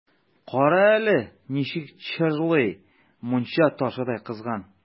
Кара әле, ничек чыжлый, мунча ташыдай кызган!